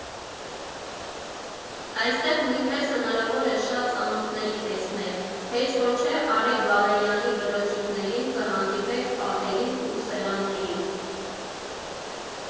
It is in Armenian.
Այստեղ նույնպես հնարավոր է շատ ծանոթների տեսնել, հեչ որ չէ՝ Արեգ Բալայանի Բլոճիկներին կհանդիպեք պատերին ու սեղաններին։